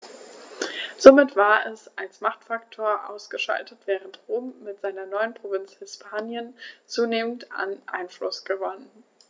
Damit war es als Machtfaktor ausgeschaltet, während Rom mit seiner neuen Provinz Hispanien zunehmend an Einfluss gewann.